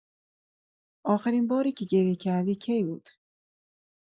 آخرین باری که گریه کردی کی بود؟